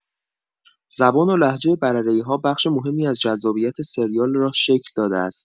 زبان و لهجه برره‌ای‌ها بخش مهمی از جذابیت سریال را شکل داده است.